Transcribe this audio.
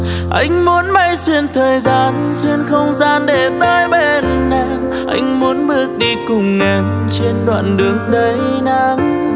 anh muốn bay xuyên thời gian xuyên không gian để tới bên em anh muốn bước đi cùng em trên đoạn đường đầy nắng